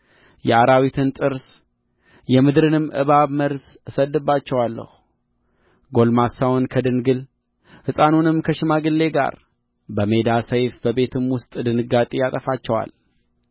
የአራዊትን ጥርስ የምድርንም እባብ መርዝ እሰድድባቸዋለሁ ጕልማሳውን ከድንግል ሕፃኑንም ከሽማግሌ ጋር በሜዳ ሰይፍ በቤትም ውስጥ ድንጋጤ ያጠፋቸዋል